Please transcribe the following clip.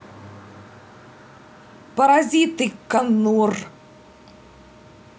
паразиты коннор